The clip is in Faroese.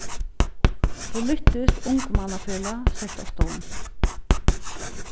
politiskt ungmannafelag sett á stovn